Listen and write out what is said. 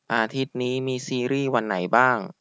อาทิตย์นี้มีซีรีย์วันไหนบ้าง